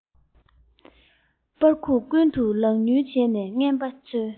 པར ཁུག ཀུན ཏུ ལག ཉུལ བྱས ནས རྔན པ འཚོལ